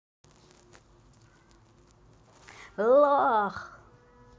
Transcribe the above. лох